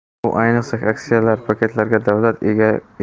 bu ayniqsa aksiyalar paketlariga davlat